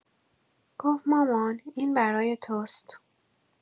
گفت مامان این برای توست.